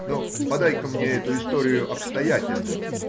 но подай-ка мне эту историю обстоятельно.